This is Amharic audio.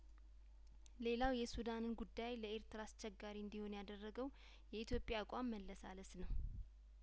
ሌላው የሱዳንን ጉዳይ ለኤርትራ አስቸጋሪ እንዲሆን ያደረገው የኢትዮጵያ አቋም መለሳለስ ነው